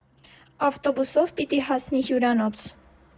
Ավտոբուսով պիտի հասնեի հյուրանոց։